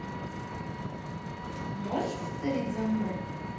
можешь повторить за мной